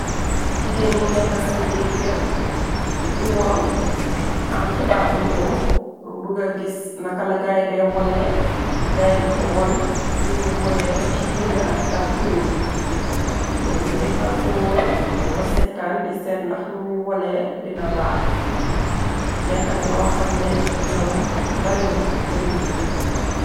Gigain yi nekka sehn biir kerr di wol, am tubab bu njow bugga gis nakala gaay dey woleh, gaay di ko won nunjui woleh chi gehna ak kuur, njom njepan kor wohrre di ko sehtaan, di seht ndax numuy woleh dina baax, nekka na lor xameh njom bariwut ci sehn dekah.